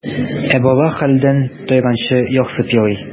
Ә бала хәлдән тайганчы ярсып елый.